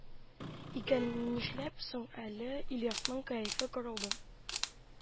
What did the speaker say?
Икән, нишләп соң әле ильясның кәефе кырылды